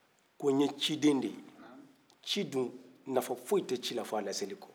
ko n ye ci den de ye ci dun nafa fosi te ci la fo a lase li kɔ